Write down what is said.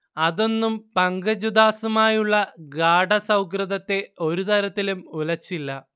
അതൊന്നും പങ്കജ് ഉദാസുമായുള്ള ഗാഢ സൗഹൃദത്തെ ഒരു തരത്തിലും ഉലച്ചില്ല